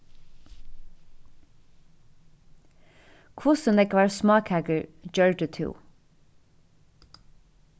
hvussu nógvar smákakur gjørdi tú